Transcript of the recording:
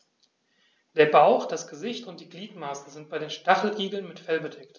Der Bauch, das Gesicht und die Gliedmaßen sind bei den Stacheligeln mit Fell bedeckt.